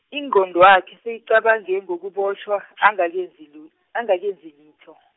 ingqondwakhe, seyiqabange ngokubotjhwa, angakenzi luth- , angakenzi litho.